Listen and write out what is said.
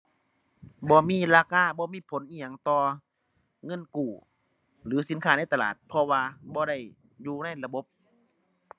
บ่มีราคาบ่มีผลอิหยังต่อ เงินกู้ หรือสินค้าในตลาด เพราะว่าบ่ได้อยู่ในระบบ